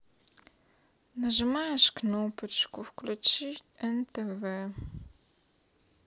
нажимаешь кнопочку включи нтв